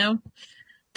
Iawn.